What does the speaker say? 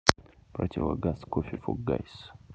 противогаз coffee for guys